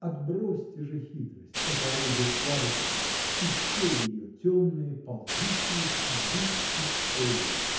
Отбросьте же хитрость — это орудие слабости — и все ее темные, ползучие ходы и цели.